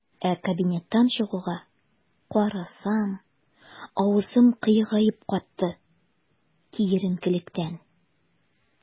Ә кабинеттан чыгуга, карасам - авызым кыегаеп катты, киеренкелектән.